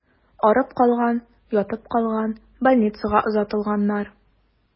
Арып калган, ятып калган, больницага озатылганнар.